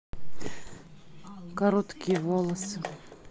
короткие волосы